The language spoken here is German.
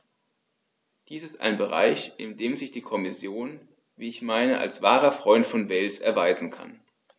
Dies ist ein Bereich, in dem sich die Kommission, wie ich meine, als wahrer Freund von Wales erweisen kann.